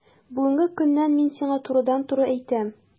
Бүгенге көннән мин сиңа турыдан-туры әйтәм: